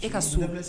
E ka so!